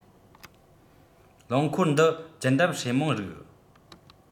རླངས འཁོར འདི རྒྱུན གྲབས སྲེ མོང རིགས